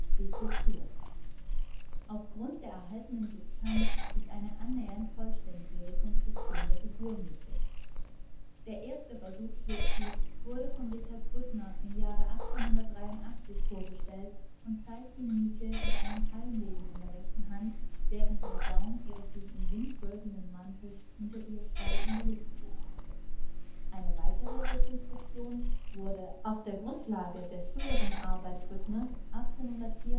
Aufgrund der erhaltenen Substanz ist eine annähernd vollständige Rekonstruktion der Figur möglich. Der erste Versuch hierzu wurde von Richard Grüttner im Jahre 1883 vorgestellt und zeigt die Nike mit einem Palmwedel in der rechten Hand, während der Saum ihres sich im Wind wölbenden Mantels hinter ihr frei in der Luft ruht. Eine weitere Rekonstruktion wurde auf Grundlage der früheren Arbeit Grüttners 1894 von Rühm erstellt